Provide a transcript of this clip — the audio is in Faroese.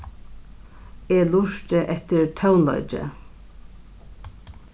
eg lurti eftir tónleiki